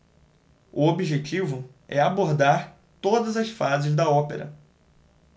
o objetivo é abordar todas as fases da ópera